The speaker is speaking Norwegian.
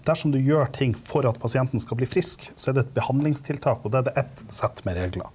dersom du gjør ting for at pasienten skal bli frisk så er det et behandlingstiltak, og da er det ett sett med regler.